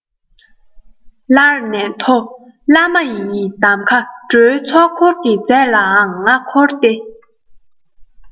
ལར ནས མཐོ བླ མ ཡི དམ མཁའ འགྲོའི ཚོགས འཁོར གྱི རྫས ལའང ང འཁོར སྟེ